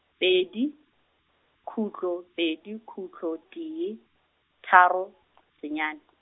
pedi, khutlo pedi khutlo tee, tharo , senyane.